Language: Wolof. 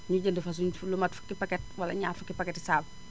ñu jënd fa suñu lu mat ukki paquettes wala ñaar fukki paquettes u saabu